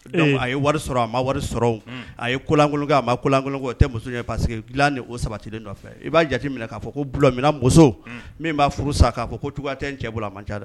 Ee donc a ye wari sɔrɔ a ma wari sɔrɔ o unhun a ye kolaŋolon kɛ a ma kolaŋolon kɛ o tɛ muso ɲɛ parce que dilan de o sabatilen do a fɛ i b'a jate minɛ k'a fɔ ko bula minan muso unh min b'a furu sa k'a fɔ ko cogoya tɛ n cɛ bolo aman ca dɛ